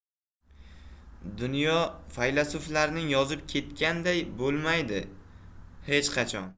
dunyo faylasuflaring yozib ketganday bo'lmaydi hech qachon